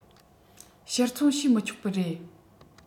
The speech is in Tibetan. ཕྱིར འཚོང བྱས མི ཆོག པའི རེད